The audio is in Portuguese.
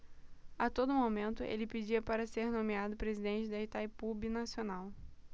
a todo momento ele pedia para ser nomeado presidente de itaipu binacional